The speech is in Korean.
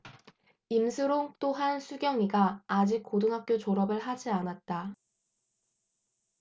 임슬옹 또한 수경이가 아직 고등학교 졸업을 하지 않았다